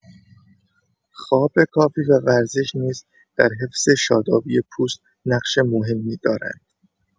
خواب کافی و ورزش نیز در حفظ شادابی پوست نقش مهمی دارند.